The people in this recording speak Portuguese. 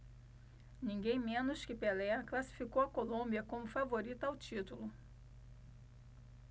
ninguém menos que pelé classificou a colômbia como favorita ao título